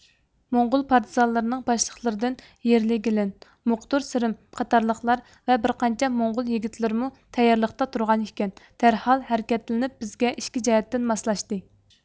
موڭغۇل پارتىزانلىرىنىڭ باشلىقلىرىدىن يىرلېگىلېن موقدۇر سىرىم قاتالىقلار ۋە بىرقانچە موڭغۇل يىگىتلىرىمۇ تەييارلىقتا تۇرغان ئىكەن دەرھال ھەرىكەتلىنىپ بىزگە ئىچكى جەھەتتىن ماسلاشتى